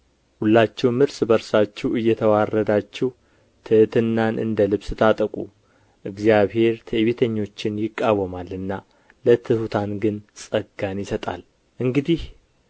ሁላችሁም እርስ በርሳችሁ እየተዋረዳችሁ ትሕትናን እንደ ልብስ ታጠቁ እግዚአብሔር ትዕቢተኞችን ይቃወማልና ለትሑታን ግን ጸጋን ይሰጣል እንግዲህ